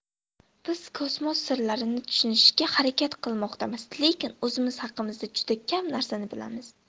biz kosmos sirlarini tushunishga harakat qilmoqdamiz lekin o'zimiz haqimizda juda kam narsani bilamiz